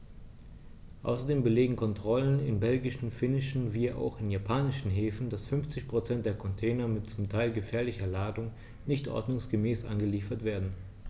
Außerdem belegen Kontrollen in belgischen, finnischen wie auch in japanischen Häfen, dass 50 % der Container mit zum Teil gefährlicher Ladung nicht ordnungsgemäß angeliefert werden.